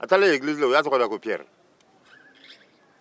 a taalen egilizi la u y'a tɔgɔ da ko piyɛri